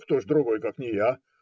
- Кто же другой, как не я?